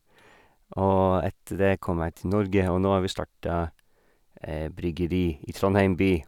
Og etter det kom jeg til Norge, og nå har vi starta bryggeri i Trondheim by.